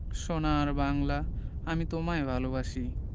সোনার বাংলা আমি তোমায় ভালোবাসি